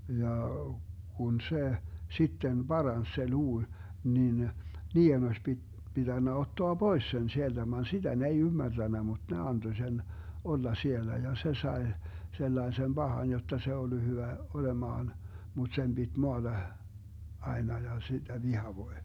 ja kun se sitten paransi se luu niin niiden olisi - pitänyt ottaa pois sen sieltä vaan sitä ne ei ymmärtänyt mutta ne antoi sen olla siellä ja se sai sellaisen pahan jotta se ollut hyvä olemaan mutta sen piti maata aina ja sitä vihavoi